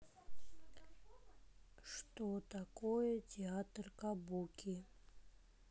что такое театр кабуки